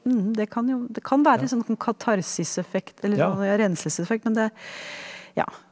ja det kan jo det kan være litt sånn katarsis-effekt eller sånn renselseseffekt men det ja.